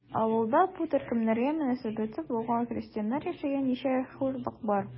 Авылда бу төркемнәргә мөнәсәбәте булган крестьяннар яшәгән ничә хуҗалык бар?